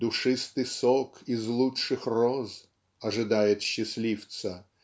"душистый сок из лучших роз" ожидает счастливца